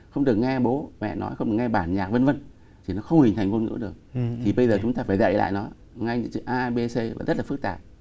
không được nghe bố mẹ nói không nghe bản nhạc vân vân thì nó không hình thành ngôn ngữ được thì bây giờ chúng ta phải dậy lại nó ngay từ chữ a bê sê và rất là phức tạp